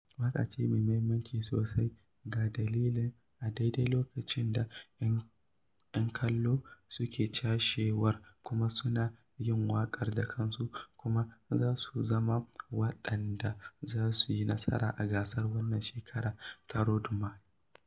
Waƙa ce mai muhimmanci sosai ga dandalin a daidai lokacin da 'yan kallon suke cashewar kuma suna "yin waƙar da kansu", kuma za su zama waɗanda za su yi nasara a gasar wannan shekarar ta Road March.